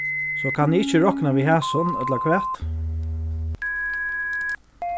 so kann eg ikki rokna við hasum ella hvat